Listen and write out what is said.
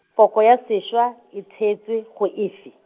poko ya sešwa, e theetswe, go efe?